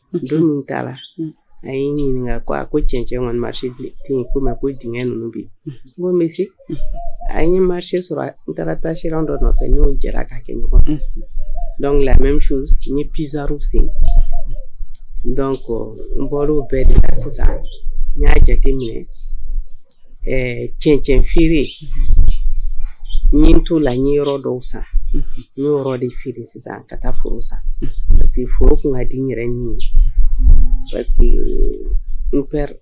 Don taara a y'i ɲininka ko cɛncɛ se a ye sɔrɔ taara taa dɔ nɔfɛo k' kɛ ɲɔgɔn pzsari sen n bɔra bɛɛ de la sisan n y'a jate minɛ ɛɛ cɛnɛn feere t'o la ɲɛ yɔrɔ dɔw san n' de feere sisan ka taa foro san parce que furu tun ka di yɛrɛ min ye parce n